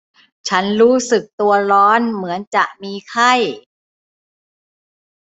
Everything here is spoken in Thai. ฉันรู้สึกตัวร้อนเหมือนจะมีไข้